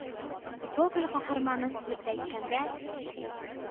Гоголь каһарманы сүзе белән әйткәндә,